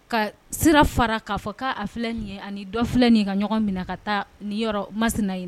Ka sira fara k'a fɔ k'a filɛ ye ani dɔ filɛ nin ka ɲɔgɔn min na ka taa ni yɔrɔ mas naɲini